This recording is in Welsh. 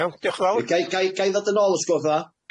Iawn diolch yn fawr. Ga'i ga'i ga'i ddod yn ôl os gwel'tha? Cei. Ia,